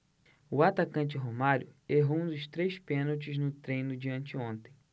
o atacante romário errou um dos três pênaltis no treino de anteontem